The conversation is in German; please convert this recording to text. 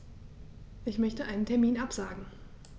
Ich möchte einen Termin absagen.